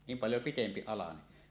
niin paljon pitempi alanen